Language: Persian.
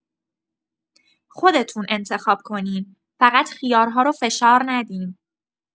خودتون انتخاب کنین، فقط خیارها رو فشار ندین.